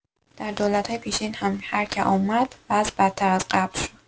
در دولت‌های پیشین هم هر که اومد وضع بدتر از قبل شد.